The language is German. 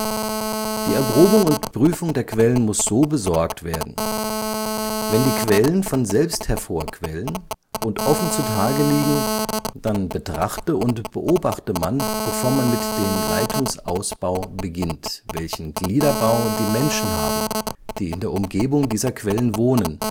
Die Erprobung und Prüfung der Quellen muss so besorgt werden: Wenn die Quellen von selbst hervorquellen und offen zu Tage liegen, dann betrachte und beobachte man, bevor man mit dem Leitungsbau beginnt, welchen Gliederbau die Menschen haben, die in der Umgebung dieser Quellen wohnen